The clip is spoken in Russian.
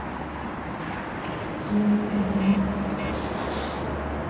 гимн ермака